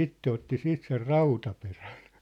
itse otti siitä sen rautaperän